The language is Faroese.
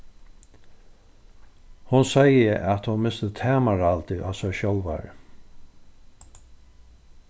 hon segði at hon misti tamarhaldið á sær sjálvari